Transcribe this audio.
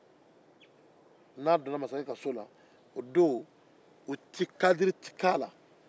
n'a donna masakɛ ka so la kadiri tɛ kɛ a la